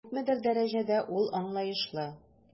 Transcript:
Күпмедер дәрәҗәдә ул аңлаешлы.